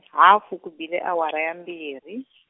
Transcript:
hafu ku bile awara ya mbirhi.